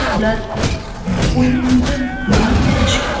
ular uyni tintib nimani qidirishgan